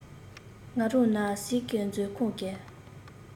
ང རང ན ཟུག གིས མཛོད ཁང གི